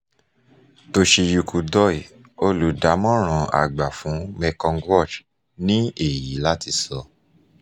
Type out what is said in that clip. Toshiyuki Doi, olùdámọ̀ràn àgbà fún Mekong Watch, ní èyí láti sọ: